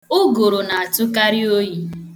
Ụgụrụ na-atụkarị oyi.